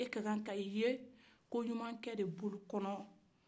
e kan ka ye ko ɲuman kɛ de o gumu kɔnɔ